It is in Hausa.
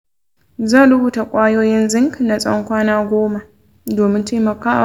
zan rubuta kwayoyin zinc na tsawon kwana goma domin taimakawa da zawo.